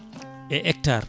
e hectare